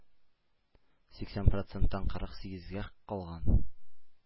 Сиксән проценттан кырык сигезгә калган.